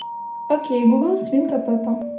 окей гугл свинка пеппа